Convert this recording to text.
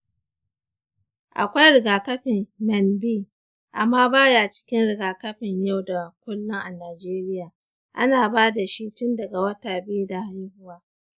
akwai rigakafin menb, amma ba ya cikin rigakafin yau da kullum a najeriya. ana ba da shi tun daga wata biyu da haihuwa.